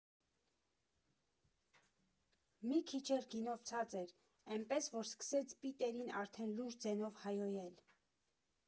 Մի քիչ էլ գինովցած էր, էնպես որ սկսեց Պիտերին արդեն լուրջ ձենով հայհոյել։